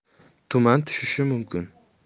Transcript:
tuman tushishi mumkin